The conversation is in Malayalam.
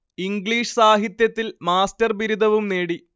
ഇംഗ്ലീഷ് സാഹിത്യത്തിൽ മാസ്റ്റർ ബിരുദവും നേടി